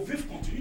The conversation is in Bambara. U bɛ f ten